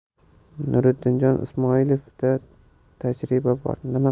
nurdinjon ismoilovda tajriba bor